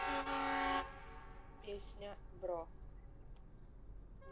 песня бро